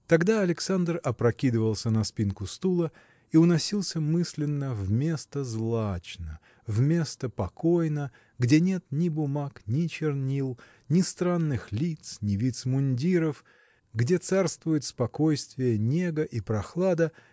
Тогда Александр опрокидывался на спинку стула и уносился мысленно в место злачно в место покойно где нет ни бумаг ни чернил ни странных лиц ни вицмундиров где царствуют спокойствие нега и прохлада